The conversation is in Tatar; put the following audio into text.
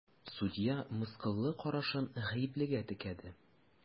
Судья мыскыллы карашын гаеплегә текәде.